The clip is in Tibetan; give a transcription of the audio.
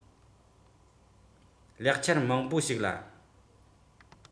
ལེགས ཆར མང པོ ཞིག ལ